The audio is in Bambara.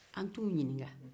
an tɛ u ɲinika